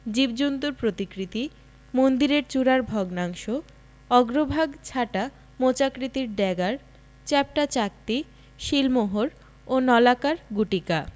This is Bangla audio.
জীবজন্তুর প্রতিকৃতি মন্দির চূড়ার ভগ্নাংশ অগ্রভাগ ছাটা মোচাকৃতি ড্যাগার চ্যাপ্টা চাকতি সিলমোহর ও নলাকার গুটিকা